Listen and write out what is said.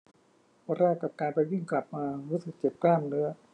วันแรกกับการไปวิ่งกลับมารู้สึกเจ็บกล้ามเนื้อ